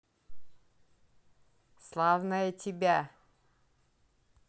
славная тебя